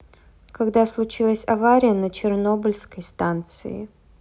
когда случилась авария на чернобыльской станции